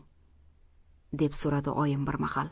deb so'radi oyim bir mahal